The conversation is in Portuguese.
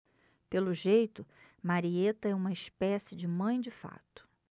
pelo jeito marieta é uma espécie de mãe de fato